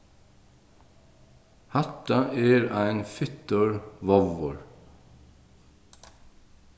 hatta er ein fittur vovvur